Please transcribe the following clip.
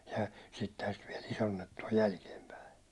ja sittenhän sitä vielä isonnettu on jälkeenpäin